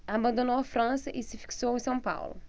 abandonou a frança e se fixou em são paulo